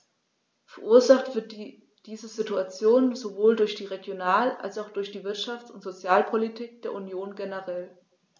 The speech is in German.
Verursacht wird diese Situation sowohl durch die Regional- als auch durch die Wirtschafts- und Sozialpolitik der Union generell.